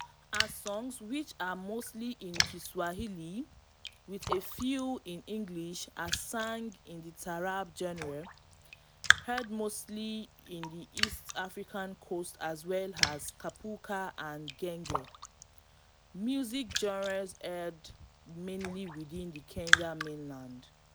Her songs which are mostly in Kiswahili with a few in English are sang in the Taarab genre heard mostly in the East African Coast as well as in Kapuka and Genge, music genres heard mainly within the Kenyan mainland.